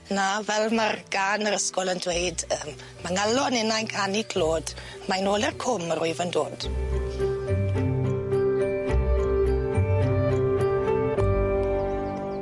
Na fel ma'r gân yr ysgol yn dweud yym ma' ngalon innau'n canu clod mae nôl i'r cwm yr wyf yn dod.